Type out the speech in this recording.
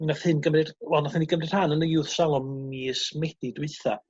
nath hyn gymryd... wel nathno ni gymryd rhan yn y youth salon mis Medi dwutha